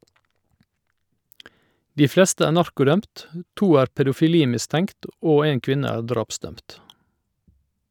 De fleste er narkodømt, to er pedofili-mistenkt og en kvinne er drapsdømt.